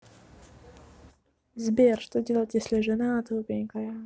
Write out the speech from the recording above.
сбер что делать если жена тупенькая